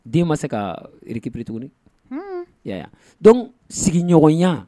Den ma se karikibiri tuguni dɔn sigiɲɔgɔnya